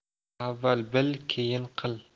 avval bil keyin qil